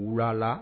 Wulala